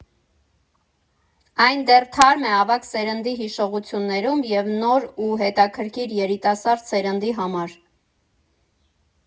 Այն դեռ թարմ է ավագ սերնդի հիշողություններում և նոր ու հետաքքիր երիտասարդ սերնդի համար։